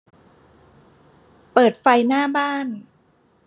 เปิดไฟหน้าบ้าน